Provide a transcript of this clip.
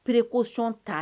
Pererekosɔnon ta